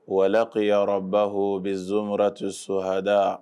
Wala koraba h bɛ zouratu so hada